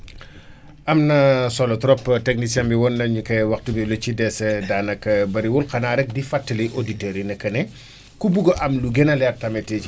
am na solo trop technicien bi wan nañu que waxtu bi lu ci des daanaka bëriwul xanaa rek di fàttali auditeurs yi ne que ne bu bugg a am lu gën a leer tamit ci